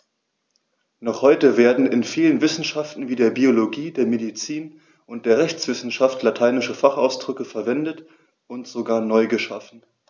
Noch heute werden in vielen Wissenschaften wie der Biologie, der Medizin und der Rechtswissenschaft lateinische Fachausdrücke verwendet und sogar neu geschaffen.